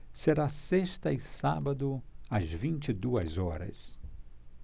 será sexta e sábado às vinte e duas horas